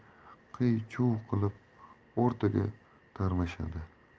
qiy chuv qilib o'rtaga tarmashadi